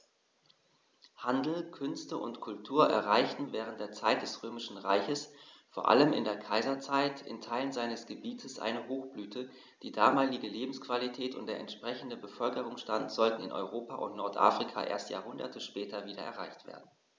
Handel, Künste und Kultur erreichten während der Zeit des Römischen Reiches, vor allem in der Kaiserzeit, in Teilen seines Gebietes eine Hochblüte, die damalige Lebensqualität und der entsprechende Bevölkerungsstand sollten in Europa und Nordafrika erst Jahrhunderte später wieder erreicht werden.